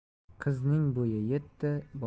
qizning bo'yi yetdi